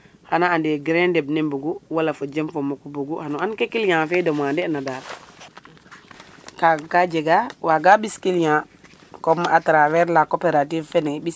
xana ande grain ndeɓ ne mbugu wala fojem fo moku mbugu xano anke client fe demander na dal kaga ka jega waga ɓis client comme à travers la coopérative fene